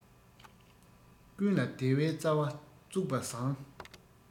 ཀུན ལ བདེ བའི རྩ བ བཙུགས པ བཟང